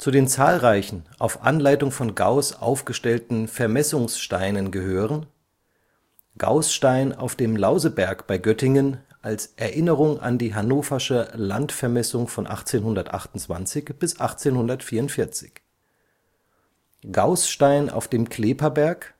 den zahlreichen auf Anleitung von Gauß aufgestellten Vermessungssteinen gehören: Gauß-Stein auf dem Lauseberg (Göttingen) als Erinnerung an die hannoversche Landvermessung von 1828 bis 1844. Gauß-Stein auf dem Kleperberg